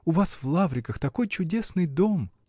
У вас в Лавриках такой чудесный дом!